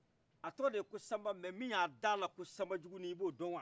a tɔgɔ de ye ko sanba mais min ya dala ko samba juguni i b'o dɔn wa